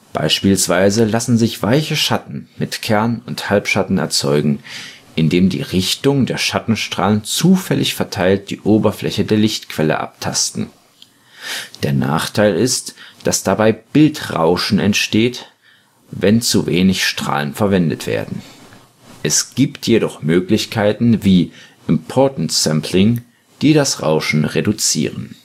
Beispielsweise lassen sich weiche Schatten mit Kern - und Halbschatten erzeugen, indem die Richtungen der Schattenstrahlen zufällig verteilt die Oberfläche der Lichtquelle abtasten. Der Nachteil ist, dass dabei Bildrauschen entsteht, wenn zu wenig Strahlen verwendet werden. Es gibt jedoch Möglichkeiten wie Importance Sampling, die das Rauschen reduzieren